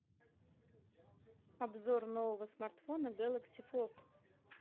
обзор нового смартфона гэлакси фолт